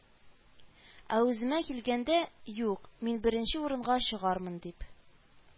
Ә үземә килгәндә, юк, мин беренче урынга чыгармын дип